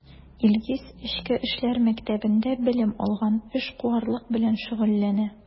Илгиз Эчке эшләр мәктәбендә белем алган, эшкуарлык белән шөгыльләнә.